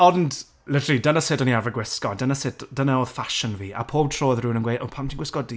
Ond, literally, dyna sut o'n i arfer gwisgo. Dyna sut... dyna oedd fashion fi. A pob tro roedd hywun yn gweud: "O, pam ti'n gwisgo du?"